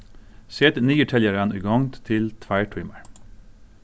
setið niðurteljaran í gongd til tveir tímar